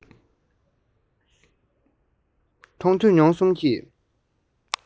མཐོས ཐོས མྱོང གསུམ གྱི